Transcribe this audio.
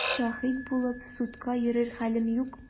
Шаһит булып судка йөрер хәлем юк!